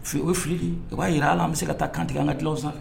F o filiki u b'a jira ala an bɛ se ka taa kantigɛ an ka gw sanfɛ